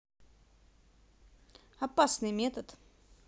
опасный метод